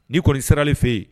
Nii kɔni sarali fɛ yen